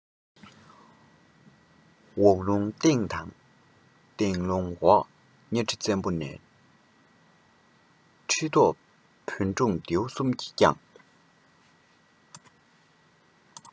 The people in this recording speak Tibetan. འོག རླུང སྟེང དང སྟེང རླུང འོག གཉའ ཁྲི བཙན པོ ནས ཁྲི ཐོག བོན སྒྲུང ལྡེའུ གསུམ གྱིས བསྐྱངས